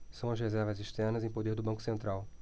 são as reservas externas em poder do banco central